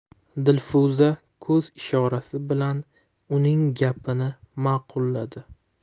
dilfuza ko'z ishorasi bilan uning gapini ma'qulladi